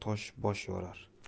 tosh bosh yorar